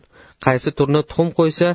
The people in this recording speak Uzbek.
qaysi turna tuxum qo'ysa